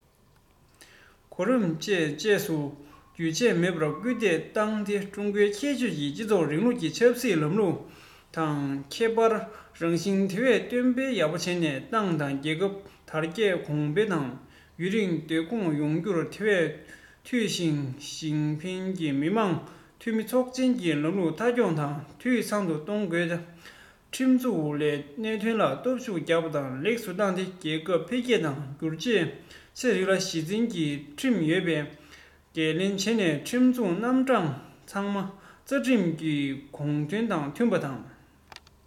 གོ རིམ ཅན བཅས སུ རྒྱུན ཆད མེད པར སྐུལ འདེད བཏང སྟེ ཀྲུང གོའི ཁྱད ཆོས ཀྱི སྤྱི ཚོགས རིང ལུགས ཀྱི ཆབ སྲིད ལམ ལུགས ཀྱི ཁྱད འཕགས རང བཞིན དེ བས འདོན སྤེལ ཡག པོ བྱས ནས ཏང དང རྒྱལ ཁབ དར རྒྱས གོང འཕེལ དང ཡུན རིང བདེ འཁོད ཡོང རྒྱུར དེ བས འཐུས ཞིས ཅིན ཕིང གིས མི དམངས འཐུས མི ཚོགས ཆེན གྱི ལམ ལུགས མཐའ འཁྱོངས དང འཐུས ཚང དུ གཏོང དགོས ན ཁྲིམས འཛུགས ལས དོན ལ ཤུགས སྣོན རྒྱག པ དང ལེགས སུ བཏང སྟེ རྒྱལ ཁབ འཕེལ རྒྱས དང སྒྱུར བཅོས ཆེ རིགས ལ གཞི འཛིན སའི ཁྲིམས ཡོད པའི འགན ལེན བྱས ནས ཁྲིམས འཛུགས རྣམ གྲངས ཚང མ རྩ ཁྲིམས ཀྱི དགོངས དོན དང མཐུན པ དང